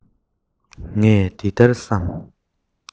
ངས འདི ལྟར བསམ